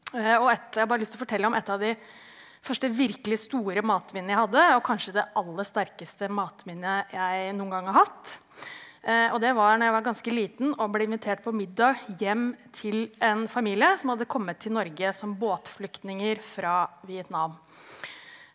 og ett, jeg har bare lyst å fortelle om ett av de første virkelig store matminnene jeg hadde, og kanskje det aller sterkeste matminnet jeg noen gang har hatt, og det var når jeg var ganske liten og ble invitert på middag hjem til en familie som hadde kommet til Norge som båtflyktninger fra Vietnam.